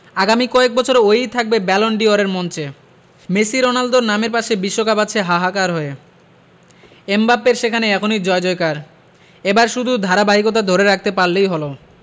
আগামী কয়েক বছরে ও ই থাকবে ব্যালন ডি অরের মঞ্চে মেসি রোনালদোর নামের পাশে বিশ্বকাপ আছে হাহাকার হয়ে এমবাপ্পের সেখানে এখনই জয়জয়কার এবার শুধু ধারাবাহিকতা ধরে রাখতে পারলেই হলো